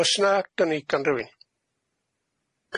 Oes 'na gynigion rywun?